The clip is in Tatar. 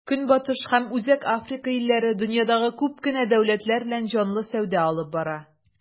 Көнбатыш һәм Үзәк Африка илләре дөньядагы күп кенә дәүләтләр белән җанлы сәүдә алып бара.